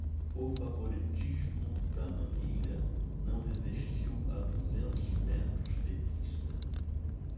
o favoritismo da mangueira não resistiu a duzentos metros de pista